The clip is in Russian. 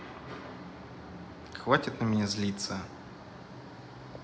хватит на меня злиться